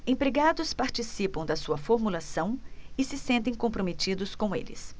empregados participam da sua formulação e se sentem comprometidos com eles